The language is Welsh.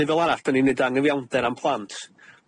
Neu fel arall 'dan ni'n neud anghyfiawnder â'n plant.